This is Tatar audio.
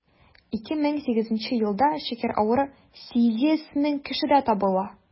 2008 елда шикәр авыруы 8 мең кешедә табыла.